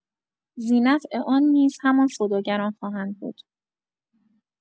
ذینفع آن نیز همان سوداگران خواهند بود.